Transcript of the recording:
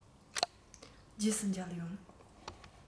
རྗེས སུ མཇལ ཡོང